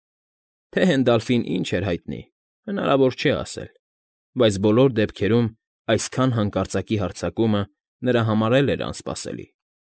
Թե Հենդալֆին ինչ էր հայտնի, հնարավոր չէ ասել, բայց բոլոր դեպքերում, այսքան հանկարծակի հարձակումը նրա համար էլ էր անսպասելի։